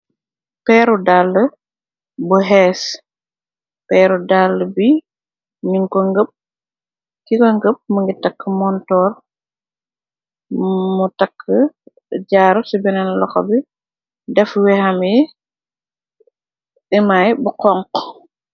Peeru dàll bu xees peeru dall bi nin ko ngëpp ki ko ngëpp mu ngi takk montoor mu takk jaaru ci benen loxo bi def wexam yi emay bu conk.